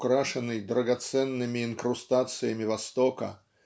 украшенный драгоценными инкрустациями Востока